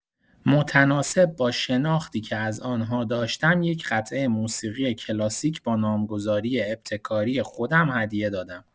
متناسب با شناختی که از آن‌ها داشتم یک قطعه موسیقی کلاسیک با نام‌گذاری ابتکاری خودم هدیه دادم.